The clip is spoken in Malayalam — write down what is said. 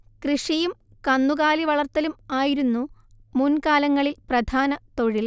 കൃഷിയും കന്നുകാലിവളർത്തലും ആയിരുന്നു മുൻകാലങ്ങളിൽ പ്രധാന തൊഴിൽ